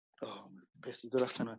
O. Peth 'di dodd allan o fe.